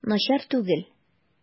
Начар түгел.